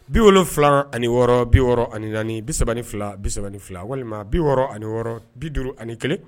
Bi wolofila ani wɔɔrɔ bi wɔɔrɔ ani naani bi3 fila bi3 fila walima bi wɔɔrɔ ani wɔɔrɔ bi duuru ani kelen